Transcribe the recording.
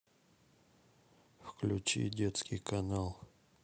включи детский канал